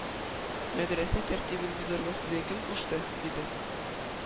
Мәдрәсә тәртибен бозарга сезгә кем кушты? - диде.